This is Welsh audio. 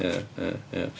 Ia, ia, ia.